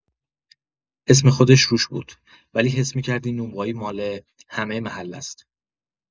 اسم خودش روش بود، ولی حس می‌کرد این نونوایی مال همه محله‌ست.